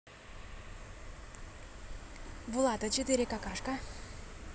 влад а четыре какашка